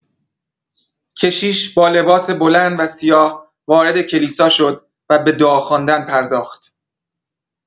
کشیش با لباس بلند و سیاه وارد کلیسا شد و به دعا خواندن پرداخت.